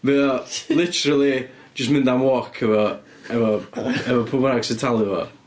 Mae o literally jyst mynd am walk efo efo efo pwy bynnag sy'n talu fo.